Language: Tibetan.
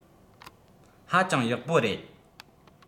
ཧ ཅང ཡག པོ རེད